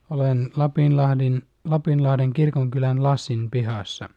olen Lapinlahden Lapinlahden kirkonkylän Lassinpihassa